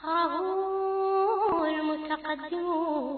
Faama mɔmu